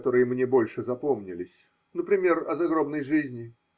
которые мне больше запомнились. Например, о загробной жизни.